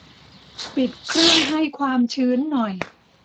ปิดเครื่องให้ความชื้นหน่อย